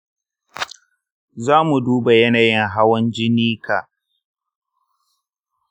zamu duba yanayin hawan jini ka da sauran muhimman alamun lafiyarka.